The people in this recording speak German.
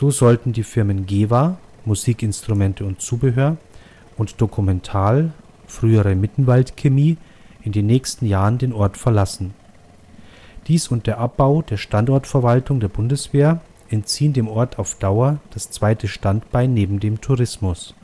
sollen die Firmen GEWA (Musikinstrumente und Zubehör) und Dokumental (frühere Mittenwald Chemie) in den nächsten Jahren den Ort verlassen. Dies und der Abbau der Standortverwaltung (Bundeswehr) entziehen dem Ort auf Dauer das zweite Standbein neben dem Tourismus